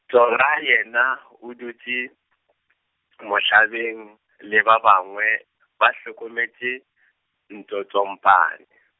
Tora yena, o dutše , mohlabeng, le ba bangwe , ba hlokometše, Ntotompane.